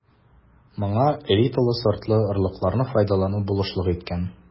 Моңа элиталы сортлы орлыкларны файдалану булышлык иткән.